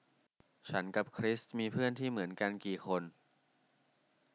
ฉันกับคริสมีเพื่อนที่เหมือนกันกี่คน